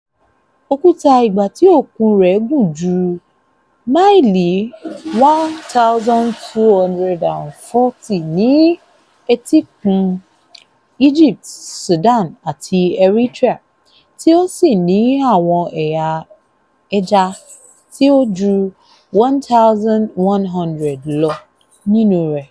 Òkúta ìgbátí-òkun rẹ̀ gùn ju máìlì 1,240 ní etíkun Egypt, Sudan, àti Eritrea tí ó sì ní àwọn ẹ̀yà ẹja tí ó ju 1,100 lọ nínú rẹ̀.